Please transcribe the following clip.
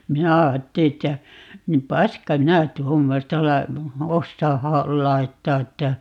minä ajattelin että niin paska minä tuommoista - osaa - laittaa että